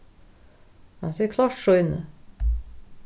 hann sigur klárt sýni